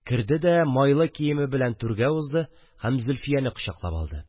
Керде дә, майлы киеме белән түргә узды һәм Зөлфияне кочаклап алды